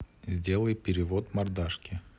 сделай перевод мордашки